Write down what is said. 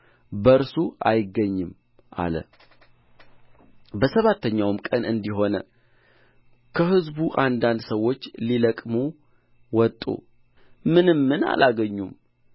በእርሱ አይገኝም አለ በሰባተኛውም ቀን እንዲህ ሆነ ከሕዝቡ አንዳንድ ሰዎች ሊለቅሙ ወጡ ምንምን አላገኙም